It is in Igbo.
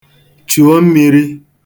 Chuo mmiri.